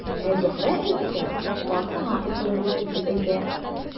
Ә Зөһрә әйтсә, артыңа утыртырлык итеп әйтә.